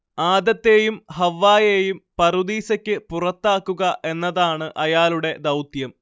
ആദത്തേയും ഹവ്വായേയും പറുദീസയ്ക്ക് പുറത്താക്കുക എന്നതാണ് അയാളുടെ ദൗത്യം